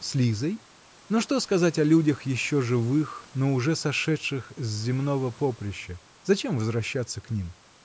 с Лизой?" Но что сказать о людях, еще живых, но уже сошедших с земного поприща, зачем возвращаться к ним?